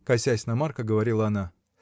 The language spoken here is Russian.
— косясь на Марка, говорила она.